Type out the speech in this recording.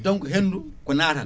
donc hendu ko natat